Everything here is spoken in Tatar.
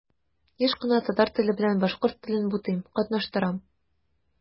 Еш кына татар теле белән башкорт телен бутыйм, катнаштырам.